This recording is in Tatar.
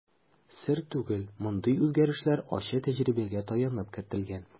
Сер түгел, мондый үзгәрешләр ачы тәҗрибәгә таянып кертелгән.